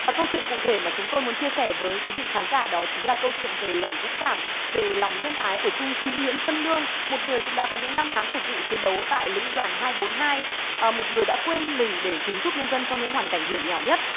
và câu chuyện cụ thể mà chúng tôi muốn chia sẻ với quý vị khán giả đó chính là câu chuyện về lòng dũng cảm về lòng nhân ái của trung sĩ nguyễn xuân lương một người cũng đã có những năm tháng phục vụ chiến đấu tại lữ đoàn hai bốn hai ờ một người đã quên mình để cứu giúp nhân dân trong những hoàn cảnh hiểm nghèo nhất